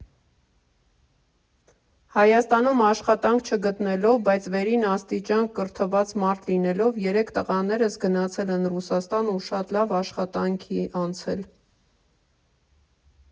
Հայաստանում աշխատանք չգտնելով, բայց վերին աստիճանի կրթված մարդ լինելով, երեք տղաներս էլ գնացել են Ռուսաստան ու շատ լավ աշխատանքի անցել։